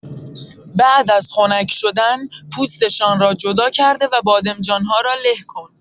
بعد از خنک شدن، پوستشان را جدا کرده و بادمجان‌ها را له کن.